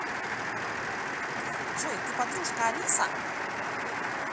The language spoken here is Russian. джой ты подружка алиса